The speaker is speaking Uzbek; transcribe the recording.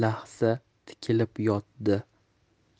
lahza tikilib yotdi